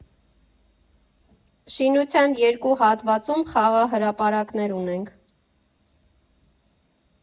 Շինության երկու հատվածում խաղահրապարակներ ունենք։